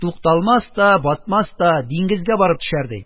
Тукталмас та, батмас та, диңгезгә барып төшәр, ди.